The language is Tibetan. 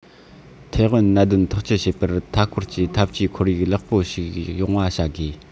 ཐའེ ཝན གནད དོན ཐག གཅོད བྱེད པར མཐའ སྐོར གྱི འཐབ ཇུས ཁོར ཡུག ལེགས པོ ཞིག ཡོང བ བྱ དགོས